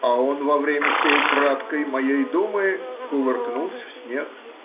а он во время сей краткой моей думы кувыркнулся в снег.